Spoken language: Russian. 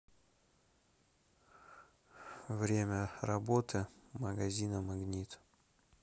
время работы магазина магнит